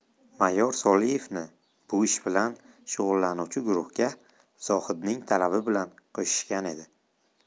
mayor solievni bu ish bilan shug'ullanuvchi guruhga zohidning talabi bilan qo'shishgan edi